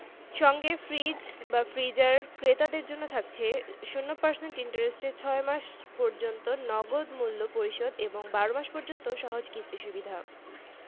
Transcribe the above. সমকালীন বিজ্ঞাপন সিঙ্গার ঈদ অফারে সবাই কাত ৩০০ ফ্রি ফ্রিজে বাজিমাত ঈদুল আজহাকে সামনে রেখে মাসব্যাপী ঈদ অফার চালু করতে যাচ্ছে সিঙ্গার